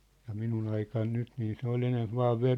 ja minun aikana nyt niin se oli enempi vain -